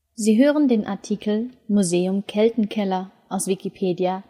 Sie hören den Artikel Museum KeltenKeller, aus Wikipedia